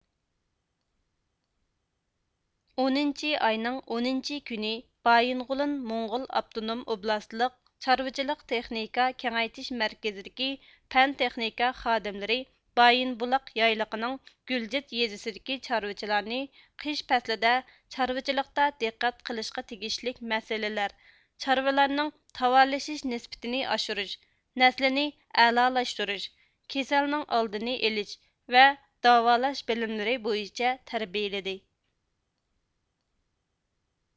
ئونىنچى ئاينىڭ ئونىنچى كۈنى بايىنغولىن موڭغۇل ئاپتونوم ئوبلاستلىق چارۋىچىلىق تېخنىكا كېڭەيتىش مەركىزىدىكى پەن تېخنىكا خادىملىرى بايىنبۇلاق يايلىقىنىڭ گۈلجېت يېزىسىدىكى چارۋىچىلارنى قىش پەسلىدە چارۋىچىلىقتا دىققەت قىلىشقا تېگىشلىك مەسىلىلەر چارۋىلارنىڭ تاۋارلىشىش نىسبىتىنى ئاشۇرۇش نەسلىنى ئەلالاشتۇرۇش كېسەلنىڭ ئالدىنى ئېلىش ۋە داۋالاش بىلىملىرى بويىچە تەربىيىلىدى